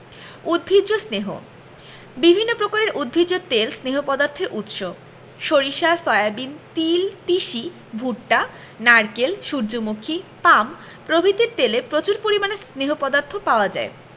২. উদ্ভিজ্জ স্নেহ বিভিন্ন প্রকারের উদ্ভিজ তেল স্নেহ পদার্থের উৎস সরিষা সয়াবিন তিল তিসি ভুট্টা নারকেল সুর্যমুখী পাম প্রভৃতির তেলে প্রচুর পরিমাণে স্নেহ পদার্থ পাওয়া যায়